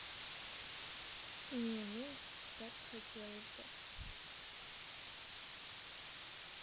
не ну так хотелось бы